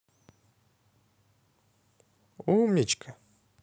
умничка